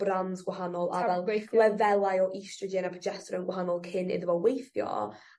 brands gwahanol a fel lefelau o oestrogen a progesteron gwahanol cyn iddo fo weithio